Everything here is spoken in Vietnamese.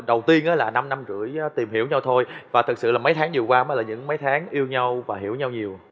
đầu tiên là năm năm rưỡi tìm hiểu nhau thôi và thực sự là mấy tháng vừa qua mới là những mấy tháng yêu nhau và hiểu nhau nhiều